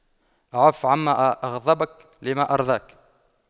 اعف عما أغضبك لما أرضاك